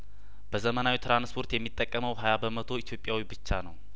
በዘመናዊ ትራንስፖርት የሚጠቀመው ሀያ በመቶው ኢትዮጵያዊ ብቻ ነው